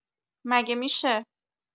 مگه می‌شه